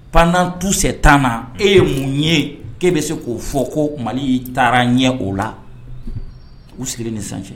Pendant tous ces temps la e ye mun ye k'e bɛ se k'o fɔ, ko Mali taara ɲɛ o la, u sigilen ni sisan cɛ?